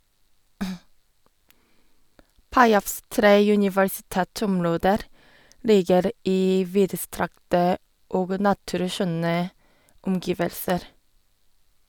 Payaps tre universitetsområder ligger i vidstrakte og naturskjønne omgivelser.